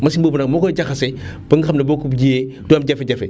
machine boobu nag moo koy jaaxase ba nga xam ne boo ko jiyee du am jafe-jafe